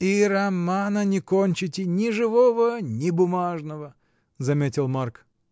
— И романа не кончите, ни живого, ни бумажного! — заметил Марк.